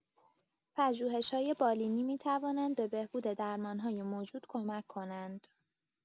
پژوهش‌‌های بالینی می‌توانند به بهبود درمان‌های موجود کمک کنند.